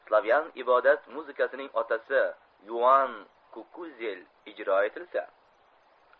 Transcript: slavyan ibodat muzikasining otasi ioann kukuzel ijro etilsa